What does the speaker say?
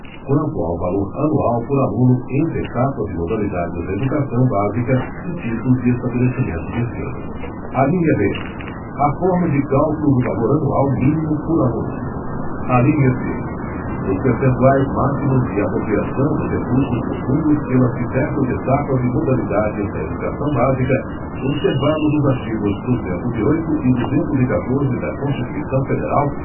quanto ao valor anual por aluno entre etapas e modalidades da educação básica e tipos de estabelecimento de ensino alínea b a forma de cálculo do valor anual mínimo por aluno alínea c os percentuais máximos de apropriação dos recursos dos fundos pelas diversas etapas e modalidades da educação básica observados os artigos duzentos e oito e duzentos e quatorze da constituição federal